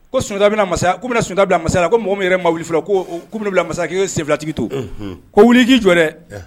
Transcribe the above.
Ko sunjatada bɛna sunjatauntabila masala ko mɔgɔ yɛrɛ ma wuli fila ko masa ye sen filatigi to ko wuliji jɔ dɛ